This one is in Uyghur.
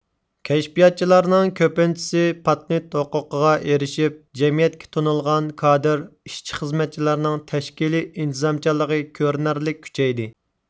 كەشپىياتچىلارنىڭ كۆپىنچىسى پاتېنت ھوقۇقىغا ئېرىشىپ جەمئىيەتكە تونۇلغان كادىر ئىشچى خىزمەتچىلەرنىڭ تەشكىلىي ئىنتىزامچانلىقى كۆرۈنەرلىك كۈچەيدى